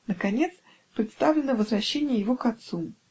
Наконец представлено возвращение его к отцу